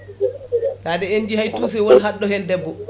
taade en jii hay touché won haɗɗo hen debbo